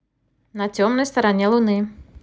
на темной стороне луны